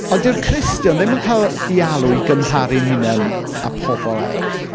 Ond dyw’r Cristion ddim yn cael ei alw i gymharu'n hunan â pobl eraill.